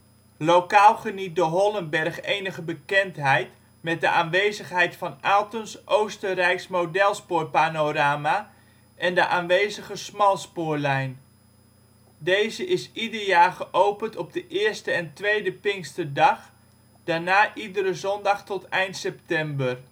Lokaal geniet de Hollenberg enige bekendheid met de aanwezigheid van Aalten’ s Oostenrijks modelspoor panorama en de aanwezige smalspoorlijn. Deze is ieder jaar geopend op 1e - en 2e Pinksterdag daarna iedere zondag tot eind september